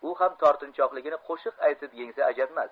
u ham tortinchoqligini qo'shiq aytib yengsa ajabmas